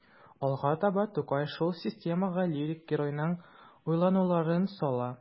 Алга таба Тукай шул системага лирик геройның уйлануларын сала.